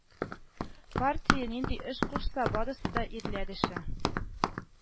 Партия нинди эш кушса, барысы да ирләр эше